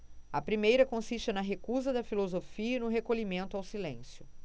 a primeira consiste na recusa da filosofia e no recolhimento ao silêncio